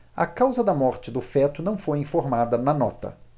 a causa da morte do feto não foi informada na nota